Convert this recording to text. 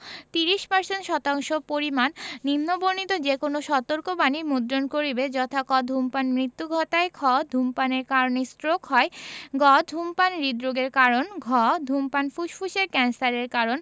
৩০% শতাংশ পরিমাণ নিম্নবণিত যে কোন সতর্কবাণী মুদ্রণ করিবে যথা ক ধূমপান মৃত্যু ঘটায় খ ধূমপানের কারণে ষ্ট্রোক হয় গ ধূমপান হৃদরোগের কারণ ঘ ধূমপান ফুসফুস ক্যান্সারের কারণ